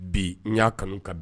Bi n y'a kanu ka di